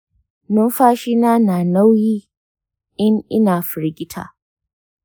numfashina na nauyi in na firgita.